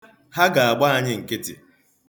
Ha ga-agba anyị nkịtị.